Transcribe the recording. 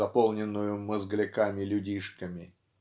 заполненную мозгляками-людишками"